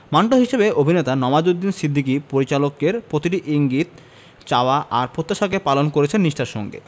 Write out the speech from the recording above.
মান্টো হিসেবে অভিনেতা নওয়াজুদ্দিন সিদ্দিকী পরিচালকের প্রতিটি ইঙ্গিত চাওয়া আর প্রত্যাশাকে পালন করেছেন নিষ্ঠার সঙ্গে